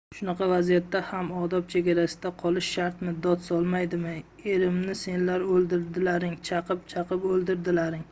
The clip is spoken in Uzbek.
shunaqa vaziyatda ham odob chegarasida qolish shartmi dod solmaydimi erimni senlar o'ldirdilaring chaqib chaqib o'ldirdilaring